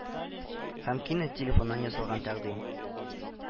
Һәм кинәт телефоннан ясалган тәкъдим